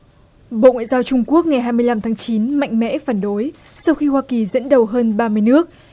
bộ ngoại giao trung quốc ngày hai mươi lăm tháng chín mạnh mẽ phản đối sau khi hoa kỳ dẫn đầu hơn ba mươi nước